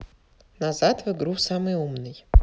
назад в игру самый умный